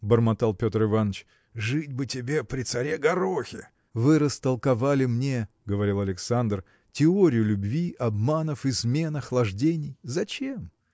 – бормотал Петр Иваныч, – жить бы тебе при царе Горохе. – Вы растолковали мне – говорил Александр – теорию любви обманов измен охлаждений. зачем?